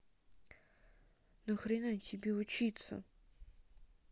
нахрена тебе учиться